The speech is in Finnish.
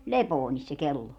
Lepoonissa se kello